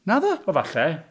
Naddo?... O, falle.